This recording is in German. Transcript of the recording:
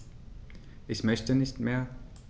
Ich möchte nicht mehr.